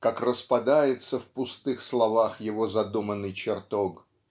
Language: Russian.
как распадается в пустых словах его задуманный чертог.